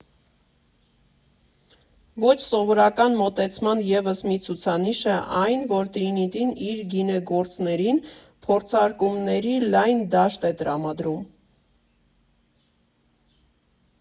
Ոչ սովորական մոտեցման ևս մի ցուցանիշ է այն, որ «Տրինիտին» իր գինեգործներին փորձարկումների լայն դաշտ է տրամադրում.